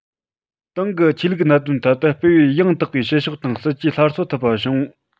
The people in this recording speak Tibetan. ཏང གིས ཆོས ལུགས གནད དོན ཐད དུ སྤེལ བའི ཡང དག པའི བྱེད ཕྱོགས དང སྲིད ཇུས སླར གསོ ཐུབ པ བྱུང